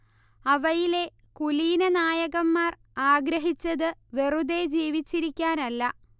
അവയിലെ കുലീന നായകൻമാർ ആഗ്രഹിച്ചത് വെറുതേ ജീവിച്ചിരിക്കാനല്ല